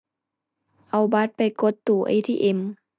เอาบัตรไปกดตู้ ATM